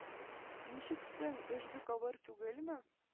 -ничек соң, эш бик авыр түгелме?